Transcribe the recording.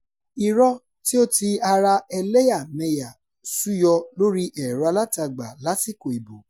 Irọ́ tí ó ti ara ẹlẹ́yàmẹyà sú yọ lórí ẹ̀rọ alátagbà lásìkò ìbò